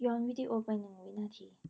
ย้อนวีดีโอไปหนึ่งวินาที